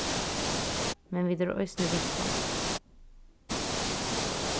men vit eru eisini vinkonur